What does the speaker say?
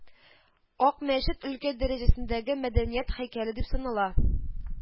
Ак мәчет өлкә дәрәҗәсендәге мәдәниять һәйкәле дип санала